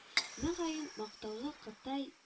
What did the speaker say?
Мөгаен, мактаулы кытай